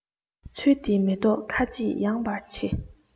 ཚུལ འདིས མེ ཏོག ཁ འབྱེད ཡངས པར བྱེད